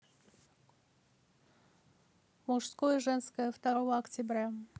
мужское женское второго октября